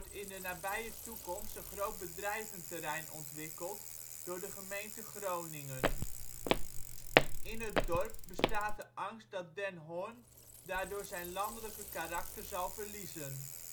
in de nabije toekomst een groot bedrijventerrein ontwikkeld door de gemeente Groningen. In het dorp bestaat de angst dat Den Horn daardoor zijn landelijke karakter zal verliezen